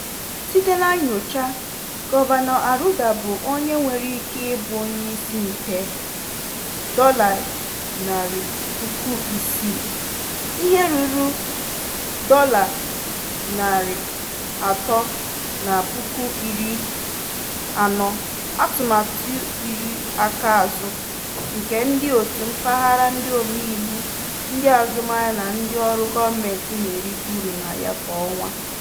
Site na nnyocha, Governor Arruda bụ onye nwere ike ị bụ onyeisi nke R$ 600,000 (ihe ruru $340,000) atụmatụ iri aka azụ nke ndị òtù mpaghara ndị omeiwu, ndị azụmahịa na ndịọrụ gọọmentị na-erite uru na ya kwa ọnwa.